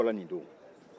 nin de fɔra nin don